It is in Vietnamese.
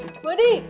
hứa đi